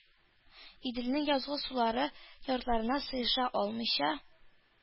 Иделнең язгы сулары ярларына сыеша алмыйча